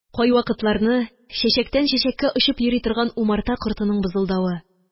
Кайвакытларны чәчәктән чәчәккә очып йөри торган умарта кортының бызылдавы